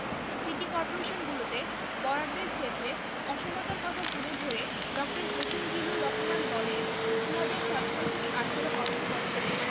City করপোরেশনগুলোতে বরাদ্দের ক্ষেত্রে অসমতার কথা তুলে ধরে ড. হোসেন জিল্লুর রহমান বলেন ২০১৭ ১৮ অর্থবছরে